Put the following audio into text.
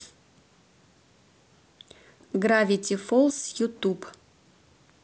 гравити фолс ютуб